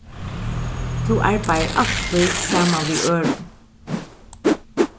tú arbeiðir altíð saman við øðrum